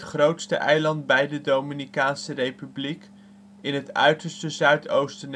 grootste eiland bij de Dominicaanse Republiek, in het uiterste zuidoosten